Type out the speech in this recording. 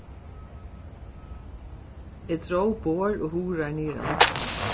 eg dró borð og hurðar niður av loftinum